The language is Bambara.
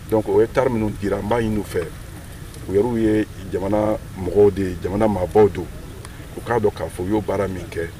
Dɔnkuc o ye taara minnu di an b'a in n fɛ u ye' ye jamana mɔgɔw de ye jamana maabaw don u k'a dɔn k'a fɔ u y'o baara min kɛ